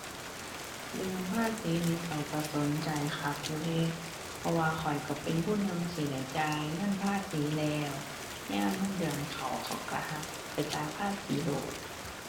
เรื่องภาษีนี่ข้อยก็สนใจคักอยู่เดะ เพราะว่าข้อยก็เป็นผู้หนึ่งสิได้จ่ายเงินภาษีแล้ว ยามเงินเดือนเข้าเขาก็หักไปจ่ายภาษีโลด